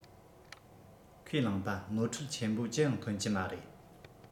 ཁས བླངས པ ནོར འཁྲུལ ཆེན པོ ཅི ཡང ཐོན གྱི མ རེད